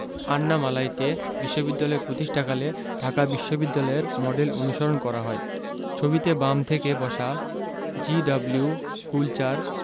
আন্নামালাইতে বিশ্ববিদ্যালয় প্রতিষ্ঠাকালে ঢাকা বিশ্ববিদ্যালয়ের মডেল অনুসরণ করা হয় ছবিতে বাম থেকে বসা জি.ডব্লিউ. কুলচার